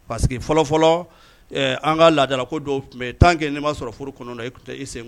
Parce que fɔlɔ fɔlɔ ɛɛ an ka laada ko dɔw tun bɛ yen tant que n'i m'a sɔrɔ furu kɔnɔna la i tun tɛ e sen